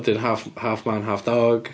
Wedyn half half man, half dog.